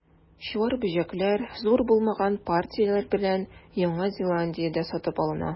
Чуар бөҗәкләр, зур булмаган партияләр белән, Яңа Зеландиядә сатып алына.